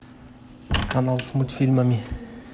канал с мультфильмами